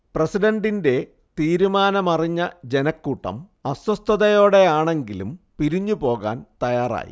പ്രസിഡന്റിന്റെ തീരുമാനമറിഞ്ഞ ജനക്കൂട്ടം അസ്വസ്ഥതയോടെയാണെങ്കിലും പിരിഞ്ഞു പോകാൻ തയ്യാറായി